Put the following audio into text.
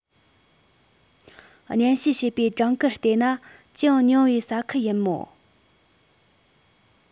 སྙན ཞུ བྱས པའི གྲངས ཀར བལྟས ན ཅུང ཉུང བའི ས ཁུལ ཡིན མོད